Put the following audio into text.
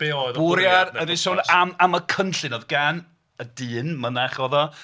Be oedd y bwriad?... Bwriad, dan ni'n sôn am y cynllun oedd gan y dyn, mynach oedd o...